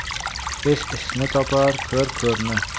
ish ishni topar ko'r ko'rni